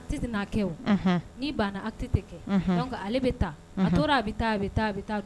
Banna ale bɛ taa tora bɛ taa bɛ